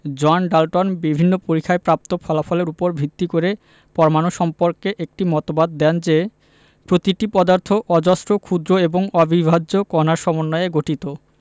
জন Dalton বিভিন্ন পরীক্ষায় প্রাপ্ত ফলাফলের উপর ভিত্তি করে পরমাণু সম্পর্কে একটি মতবাদ দেন যে প্রতিটি পদার্থ অজস্র ক্ষুদ্র এবং অবিভাজ্য কণার সমন্বয়ে গঠিত